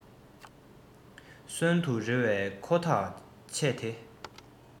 གསོན དུ རེ བའི ཁོ ཐག ཆད དེ